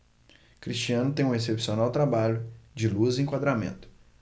cristiano tem um excepcional trabalho de luz e enquadramento